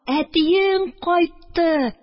Әтиең кайтты